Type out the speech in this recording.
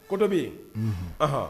Ko dɔ bɛ yen ahɔn